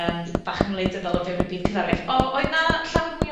yym, bach yn wleidyddol o fewn y byd cerddoriaeth, o oedd yna llawer mwy o